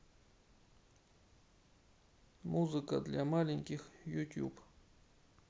музыка для маленьких ютуб